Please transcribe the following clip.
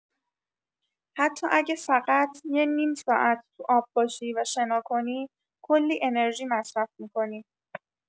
حتی اگه فقط یه نیم ساعت تو آب باشی و شنا کنی، کلی انرژی مصرف می‌کنی.